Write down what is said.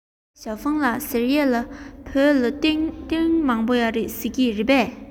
ཞའོ ཧྥུང ལགས ཟེར ཡས ལ བོད ལ གཏེར མང པོ ཡོད རེད ཟེར གྱིས རེད པས